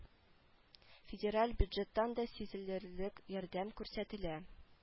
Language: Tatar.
Федераль бюджеттан да сизелерлек ярдәм күрсәтелә